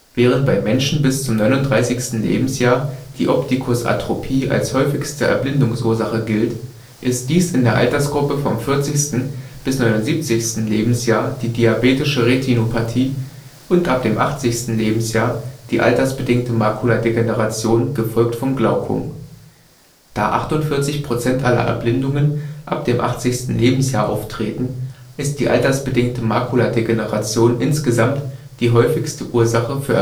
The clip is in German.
Während bei Menschen bis zum 39. Lebensjahr die Optikusatrophie als häufigste Erblindungsursache gilt, ist dies in der Altersgruppe vom 40. bis 79. Lebensjahr die Diabetische Retinopathie und ab dem 80. Lebensjahr die altersbedingte Makuladegeneration, gefolgt vom Glaukom. Da 48 % aller Erblindungen ab dem 80. Lebensjahr auftreten, ist die altersbedingte Makuladegeneration insgesamt die häufigste Ursache für